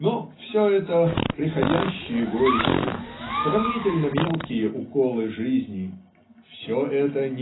Но все это - преходящие горести, сравнительно мелкие уколы жизни. Все это